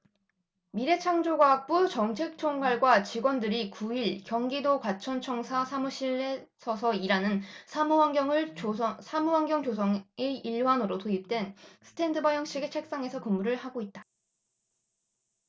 미래창조과학부 정책총괄과 직원들이 구 일 경기도 정부과천청사 사무실에서 서서 일하는 사무환경 조성의 일환으로 도입된 스탠드바 형식의 책상에서 근무를 하고 있다